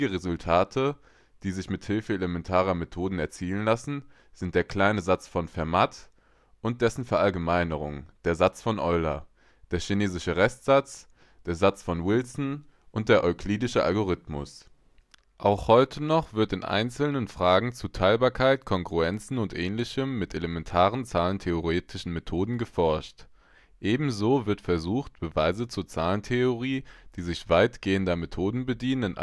Resultate, die sich mit Hilfe elementarer Methoden erzielen lassen, sind der kleine Satz von Fermat und dessen Verallgemeinerung, der Satz von Euler, der Chinesische Restsatz, der Satz von Wilson und der Euklidische Algorithmus. Auch heute noch wird in einzelnen Fragen zu Teilbarkeit, Kongruenzen und Ähnlichem mit elementaren zahlentheoretischen Methoden geforscht. Ebenso wird versucht, Beweise zur Zahlentheorie, die sich weitergehender Methoden bedienen